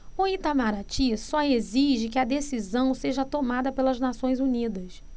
o itamaraty só exige que a decisão seja tomada pelas nações unidas